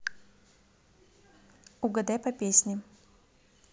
угадай по песне